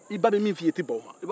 i ba bɛ min fɔ i ye i tɛ ban o ma